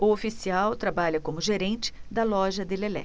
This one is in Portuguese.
o oficial trabalha como gerente da loja de lelé